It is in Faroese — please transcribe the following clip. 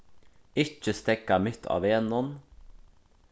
ikki steðga mitt á vegnum